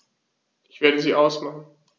Ich werde sie ausmachen.